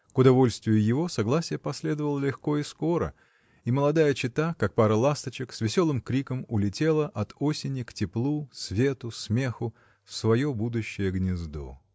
К удовольствию его, согласие последовало легко и скоро, и молодая чета, как пара ласточек, с веселым криком улетела от осени к теплу, свету, смеху, в свое будущее гнездо.